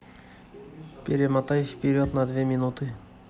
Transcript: перемотай вперед на две минуты